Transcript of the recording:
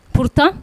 pourtant